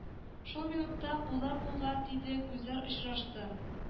Шул минутта куллар кулга тиде күзләр очрашты